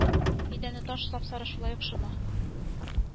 Идәне таш сап сары шулай ук шома